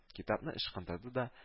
Китапны ычкындырды да